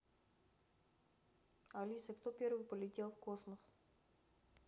алиса кто первый полетел в космос